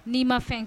N'i ma fɛ